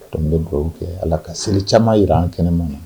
An bɛ dugawu kɛ Ala ka seli caman jira an kɛnɛman na